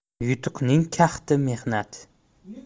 yutuqning kahti mehnat